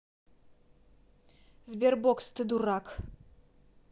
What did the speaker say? sberbox ты дурак